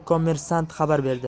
kommersant xabar berdi